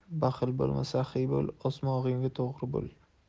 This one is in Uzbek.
baxil bo'lma saxiy bo'l o'smog'ingga to'g'ri yo'l